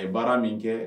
A ye baara min kɛ